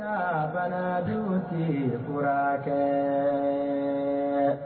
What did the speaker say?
Sababadenwtigi burkɛ